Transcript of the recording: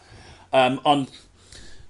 Yym on'